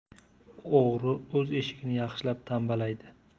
o'g'ri o'z eshigini yaxshilab tambalaydi